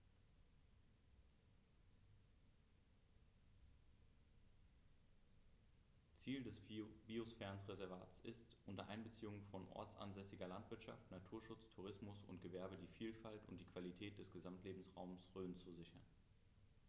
Ziel dieses Biosphärenreservates ist, unter Einbeziehung von ortsansässiger Landwirtschaft, Naturschutz, Tourismus und Gewerbe die Vielfalt und die Qualität des Gesamtlebensraumes Rhön zu sichern.